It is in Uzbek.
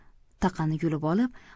taqani yulib olib